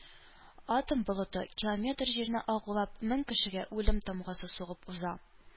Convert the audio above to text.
Атом болыты километр җирне агулап мең кешегә үлем тамгасы сугып уза.